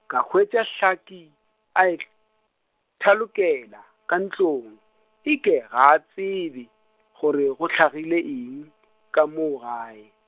ka hwetša Tlhaka, a ithalokela ka ntlong, e ke ga a tsebe, gore go hlagile eng , ka moo gae.